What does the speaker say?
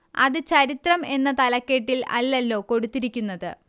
അത് ചരിത്രം എന്ന തലക്കെട്ടിൽ അല്ലല്ലോ കൊടുത്തിരിക്കുന്നത്